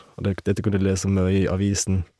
Og det k dette kunne de lese om nede i avisen.